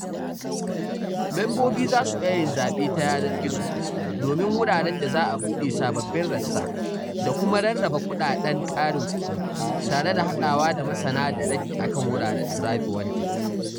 Mambobi za su iya yin zaɓe ta yanar gizo domin wuraren da za a bude sababbin rassa da kuma rarraba kuɗaɗen ƙarin kudi, tare da haɗawa da masana da ragi akan wuraren TribeWanted.